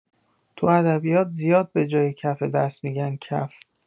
تو ادبیات زیاد به‌جای کف دست می‌گن کف.